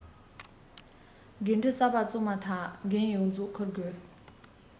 འགོ ཁྲིད གསར པ བཙུགས མ ཐག འགན ཡོངས རྫོགས འཁུར དགོས